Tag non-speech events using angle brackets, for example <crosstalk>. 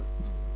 <hesitation>